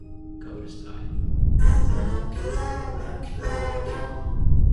...cyfres dau.